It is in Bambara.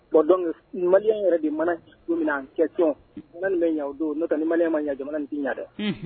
Bɔn dɔn maliya yɛrɛ de mana min cɛc bɛ ɲa don no ni maliya ma ɲa jamana tɛ ɲa dɛ